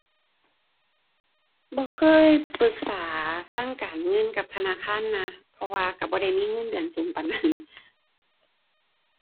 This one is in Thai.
บ่เคยปรึกษาทางการเงินกับธนาคารนะ เพราะว่าก็บ่ได้มีเงินเดือนสูงปานนั้น